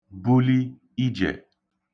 buli ijè